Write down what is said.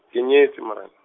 ke nyetse Morena.